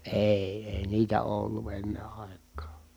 ei ei niitä ole ollut ennen aikaan